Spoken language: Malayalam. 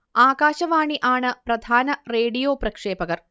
ആകാശവാണി ആണ് പ്രധാന റേഡിയോ പ്രക്ഷേപകർ